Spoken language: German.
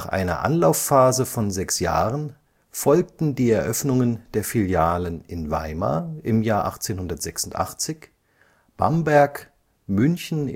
einer Anlaufphase von sechs Jahren folgten die Eröffnungen der Filialen in Weimar (1886), Bamberg, München